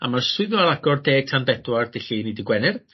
a ma'r swyddfa ar agor deg tan bedwar dy' Llun i dy' Gwener.